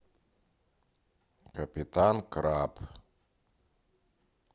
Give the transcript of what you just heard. капитан краб